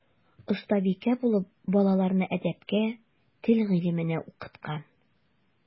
Остабикә булып балаларны әдәпкә, тел гыйлеменә укыткан.